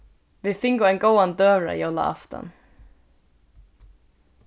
vit fingu ein góðan døgurða jólaaftan